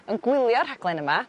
yn gwylio'r rhaglen yma